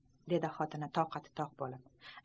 dedi xotini toqati toq bolib